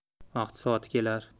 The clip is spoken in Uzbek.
vaqt soati kelar